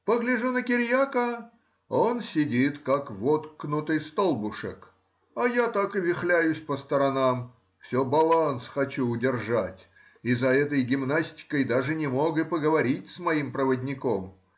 Погляжу на Кириака — он сидит как воткнутый столбушек, а я так и вихляюсь по сторонам — все баланс хочу удержать, и за этой гимнастикой даже не мог и поговорить с моим проводником.